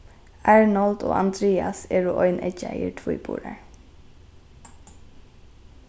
arnold og andrias eru eineggjaðir tvíburar